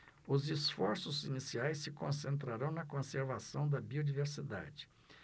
os esforços iniciais se concentrarão na conservação da biodiversidade